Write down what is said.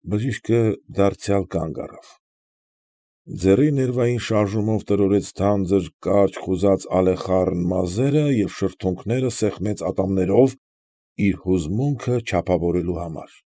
Բժիշկը դարձյալ կանգ առավ, ձեռի ներվային շարժումով տրորեց գլխի թանձր կարճ խուզած ալեխառը մազերը և շրթունքները սեղմեց ատամներով՝ իր հուզմունքը չափավորելու համար։